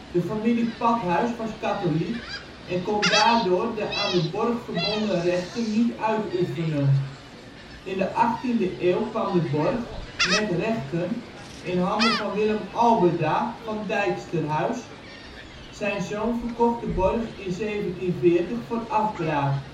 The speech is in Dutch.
De familie Pathuis was katholiek en kon daardoor de aan de borg verbonden rechten niet uitoefenen. In de achttiende eeuw kwam de borg, met rechten, in handen van Willem Alberda van Dijksterhuis. Zijn zoon verkocht de borg in 1740 voor afbraak